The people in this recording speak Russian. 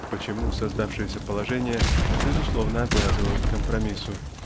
почему создавшееся положение безусловно обязывало к компромиссу.